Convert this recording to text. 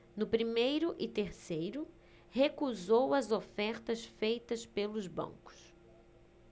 no primeiro e terceiro recusou as ofertas feitas pelos bancos